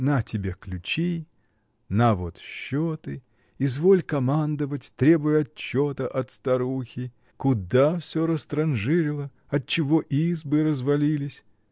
На тебе ключи, на вот счеты, изволь командовать, требуй отчета от старухи: куда всё растранжирила, отчего избы развалились?.